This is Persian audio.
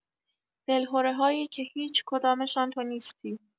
دلهره‌هایی که هیچ کدامشان تو نیستی